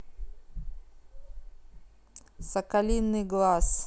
соколиный глаз